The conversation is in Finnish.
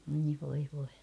oi voi voi